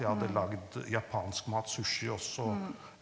jeg hadde lagd japansk mat, sushi også.